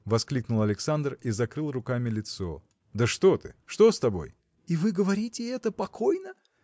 – воскликнул Александр и закрыл руками лицо. – Да что ты? что с тобой? – И вы говорите это покойно?